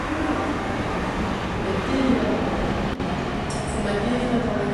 diwrnod Nadolig, neu dydd Nadolig. So mae dydd Nadolig